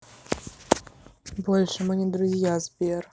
больше мы не друзья сбер